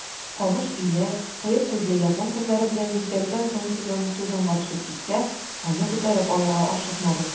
Камыш өйләр, кыек күзле япон кызлары белән бизәлгән зонтигым тузанга төшеп китсә, аны күтәреп алырга ашыкмадым.